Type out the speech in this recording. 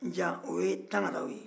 nca o ye tangaraw ye